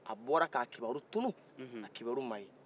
a bɔra ka kiibaru tunu a kiibaru ma ye